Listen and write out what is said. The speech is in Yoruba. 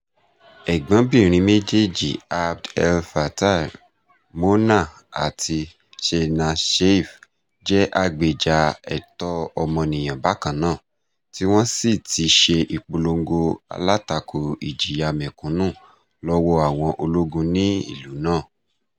Ẹ̀gbọ́n-bìrin méjèèjì Abd El Fattah, Mona àti Sanaa Seif, jẹ́ agbèjà ẹ̀tọ́ ọmọnìyàn bákan náà tí wọ́n sì ti ṣe ìpolongo alátakò ìjìyà mẹ́kúnnú lọ́wọ́ọ àwọn ológun ní ìlú náà.